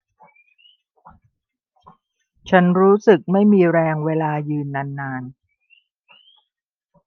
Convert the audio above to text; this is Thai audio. ฉันรู้สึกไม่มีแรงเวลายืนนานนาน